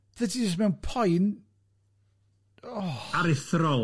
Byddet ti jyst mewn poen, o... Aruthrol...